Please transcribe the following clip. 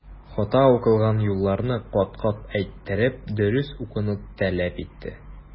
Хата укылган юлларны кат-кат әйттереп, дөрес укуны таләп итте.